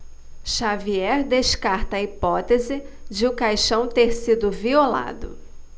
xavier descarta a hipótese de o caixão ter sido violado